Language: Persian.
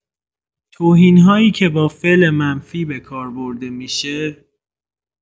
توهین‌هایی که با فعل منفی به کار برده می‌شه؛